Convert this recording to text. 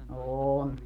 on